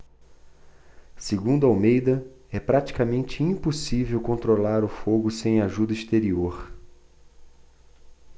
segundo almeida é praticamente impossível controlar o fogo sem ajuda exterior